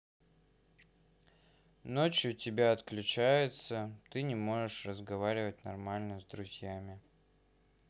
ночью тебя отключается ты не можешь разговаривать нормально с друзьями